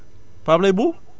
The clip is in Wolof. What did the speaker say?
Pape Leye